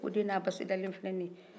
ko den n' a basi dalen filɛ ni ye